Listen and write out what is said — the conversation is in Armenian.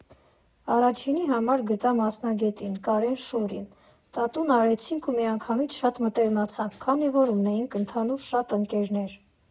Առաջինի համար գտա մասնագետին՝ Կարեն Շուռին, տատուն արեցինք ու միանգամից շատ մտերմացանք, քանի որ ունեինք ընդհանուր շատ ընկերներ։